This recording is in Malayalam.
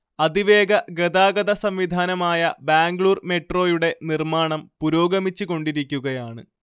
അതിവേഗ ഗതാഗത സം‌വിധാനമായ ബാംഗ്ലൂർ മെട്രോയുടെ നിർമ്മാണം പുരോഗമിച്ച് കൊണ്ടിരിക്കുകയാണ്‌